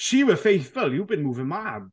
She were faithful, you've been moving mad.